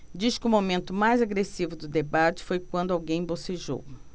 diz que o momento mais agressivo do debate foi quando alguém bocejou